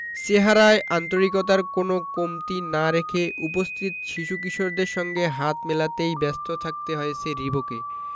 চেহারায় আন্তরিকতার কোনো কমতি না রেখে উপস্থিত শিশু কিশোরদের সঙ্গে হাত মেলাতেই ব্যস্ত থাকতে হয়েছে রিবোকে